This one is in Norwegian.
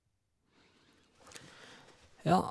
Ja.